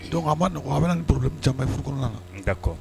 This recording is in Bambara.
Don a a bɛ poro camanbafuruk kɔnɔna na ka kɔ